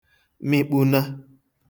mịkpuna